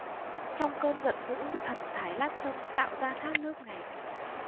trong cơn giận dữ thần thái lát sông tạo ra thác nước này